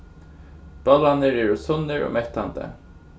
bollarnir eru sunnir og mettandi